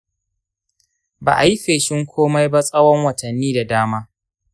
ba a yi feshin komai ba tsawon watanni da dama.